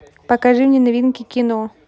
покажи мне новинки кино